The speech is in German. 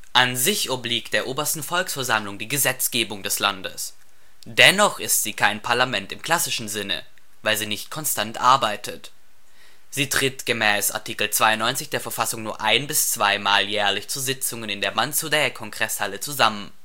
An sich obliegt der Obersten Volksversammlung die Gesetzgebung des Landes. Dennoch ist sie kein Parlament im klassischen Sinne, weil sie nicht konstant arbeitet. Sie tritt gemäß Art. 92 der Verfassung nur ein - bis zweimal jährlich zu Sitzungen in der Mansudae-Kongresshalle zusammen